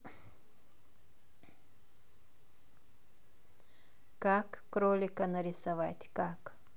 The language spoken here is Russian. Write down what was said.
как кролика нарисовать как